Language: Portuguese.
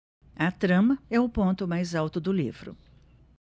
a trama é o ponto mais alto do livro